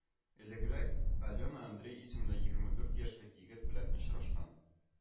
Элегрәк Алена Андрей исемле егерме дүрт яшьлек егет белән очрашкан